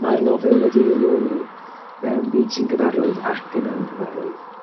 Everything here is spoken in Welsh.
Ma'r nofel wedi ei leoli mewn byd sy'n gyfarwydd ac yn anghyfarwydd,